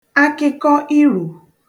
akịkọ irò